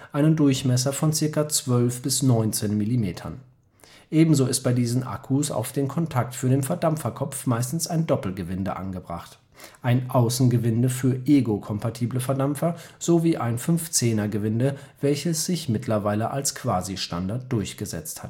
einen Durchmesser von ca. 12 bis 19 Millimetern je nach Bauweise. Ebenso ist bei diesen Akkus auf dem Kontakt für den Verdampferkopf meistens ein Doppelgewinde angebracht – ein Außengewinde für eGo-Kompatible Verdampfer sowie ein 510-Gewinde, welches sich mittlerweile als Quasistandard durchgesetzt